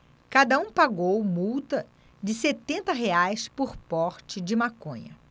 cada um pagou multa de setenta reais por porte de maconha